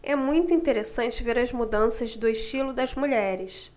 é muito interessante ver as mudanças do estilo das mulheres